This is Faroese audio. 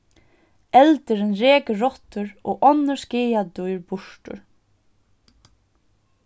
eldurin rekur rottur og onnur skaðadýr burtur